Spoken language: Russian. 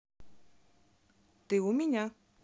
ты у меня